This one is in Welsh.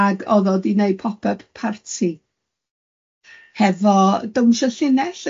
Ag o'dd o di neud pop-yp parti hefo downsho llinell